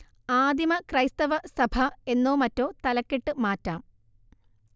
ആദിമ ക്രൈസ്തവ സഭ എന്നോ മറ്റോ തലക്കെട്ട് മാറ്റാം